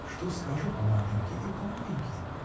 Что скажут маменьки и папеньки!.